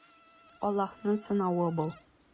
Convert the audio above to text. Аллаһның сынавы бу.